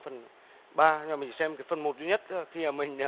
phần ba nhưng mà mình xem phần một duy nhất cơ khi mà mình